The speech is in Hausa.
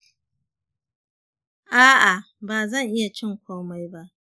a’a, ba zan iya cin komai ba.